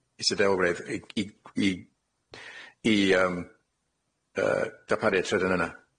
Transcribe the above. isadeilredd i i i i yym yy darparu y trydan yna.